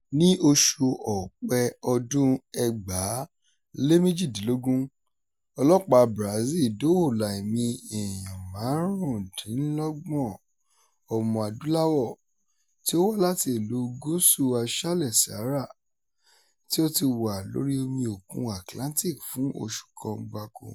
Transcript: Ní oṣù Ọ̀pẹ ọdún-un 2018, Ọlọ́pàá Brazil dóòlà ẹ̀mí èèyàn 25 ọmọ-adúláwọ̀ tí ó wá láti Ìlú Gúúsù Aṣálẹ̀ Sahara "tí ó ti wà lọ́rí omi òkun Atlantic fún oṣù kan gbáko".